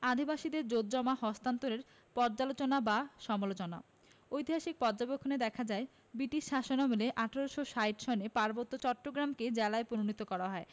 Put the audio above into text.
আদিবাসীদের জোতজমা হন্তান্তরের পর্যালোচনা বা সমালোচনা ঐতিহাসিক পর্যবেক্ষনে দেখা যায় বৃটিশ শাসনামলে ১৮৬০ সনে পার্বত্য চট্টগ্রামকে জেলায় পরিণত করা হয়